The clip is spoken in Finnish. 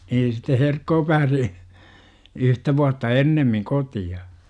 niin sitten Herkko pääsi yhtä vuotta ennemmin kotiin